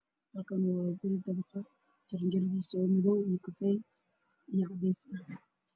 Halkaan waa guri dabaq ah oo jaranjaro leh oo madow, kafay iyo cadeys ah.